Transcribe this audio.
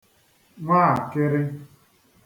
nwaākị̄rị̄